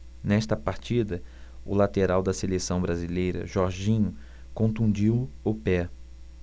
nesta partida o lateral da seleção brasileira jorginho contundiu o pé